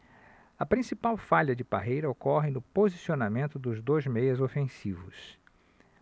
a principal falha de parreira ocorre no posicionamento dos dois meias ofensivos